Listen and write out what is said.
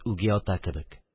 Үги ата кебек.